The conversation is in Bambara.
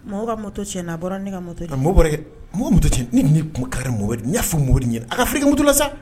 Mɔgɔ ka moto tiɲɛ n'a bɔra ne ka mɔ ten nka mɔ mɔ moto ten ni ni kun kari mɔ y'a fɔmo nin ye a ka firi mutula sa